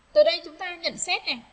từ đây chúng ta nhận xét